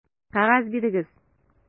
Кәгазь бирегез!